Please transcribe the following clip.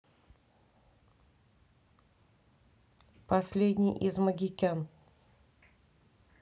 последний из магикян